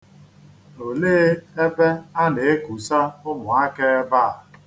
Olee ebe a na-ekusa ụmụaka ebe a?